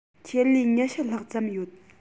ཆེད ལས ༢༠ ལྷག ཙམ ཡོད